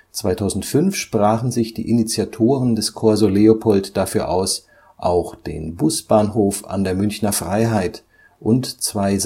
2005 sprachen sich die Initiatoren des Corso Leopold dafür aus, auch den Busbahnhof an der Münchner Freiheit und zwei